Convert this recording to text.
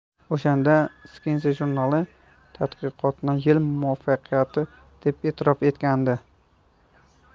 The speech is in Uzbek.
o'shanda sciense jurnali tadqiqotni yil muvaffaqiyati deb e'tirof etgandi